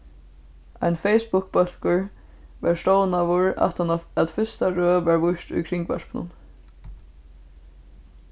ein facebookbólkur varð stovnaður aftaná at fyrsta røð var víst í kringvarpinum